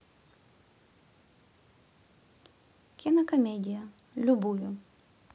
кинокомедия любую